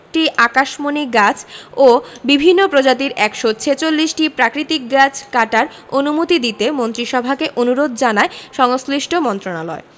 টি আকাশমণি গাছ ও বিভিন্ন প্রজাতির ১৪৬টি প্রাকৃতিক গাছ কাটার অনুমতি দিতে মন্ত্রিসভাকে অনুরোধ জানায় সংশ্লিষ্ট মন্ত্রণালয়